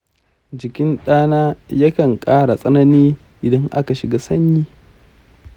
jikin ɗana yakan ƙara tsanani idan aka shiga sanyi.